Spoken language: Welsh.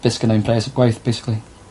Be sgynnai yw bres o gwaith basiclly.